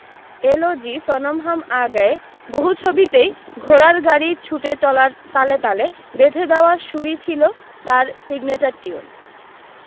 এ লো জি সনম হাম আগ্যায়ে বহু ছবিতেই ঘোড়ার গাড়ী ছুটে চলার তালে তালে বেঁধে দেওয়া সুরি ছিল তার সিগনেচার টিউন